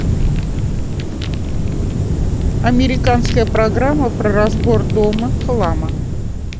американская программа про разбор дома хлама